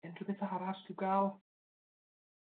Unrhywbeth arall i'w ga'l?